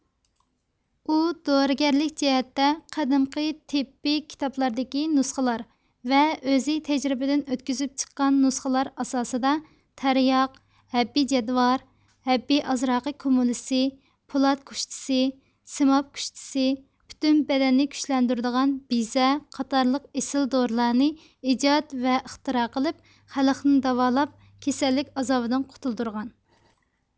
ئۇ دورىگەرلىك جەھەتتە قەدىمكى تېببىي كىتابلاردىكى نۇسخىلار ۋە ئۆزى تەجرىبىدىن ئۆتكۈزۈپ چىققان نۇسخىلار ئاساسىدا تەرياق ھەببى جەدۋار ھەببى ئازراقى كۇمۇلىسى پولات كۇشتىسى سىماب كۇشتىسى پۈتۈن بەدەننى كۈچلەندۈرىدىغان بىزە قاتارلىق ئېسىل دورىلارنى ئىجاد ۋە ئىختىرا قىلىپ خەلقنى داۋالاپ كېسەللىك ئازابىدىن قۇتۇلدۇرغان